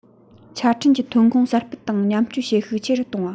ཆ འཕྲིན གྱི ཐོན ཁུངས གསར སྤེལ དང མཉམ སྤྱོད བྱེད ཤུགས ཆེ རུ གཏོང བ